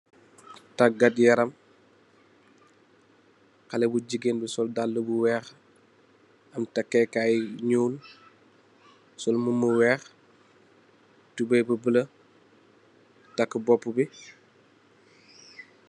Takgatt yaram, haley bu jigeen bu sol daal bu weeh am tagkèkaay yu ñuul, sol mbub mu weeh, tubeye bu bulo, takk boppu bi.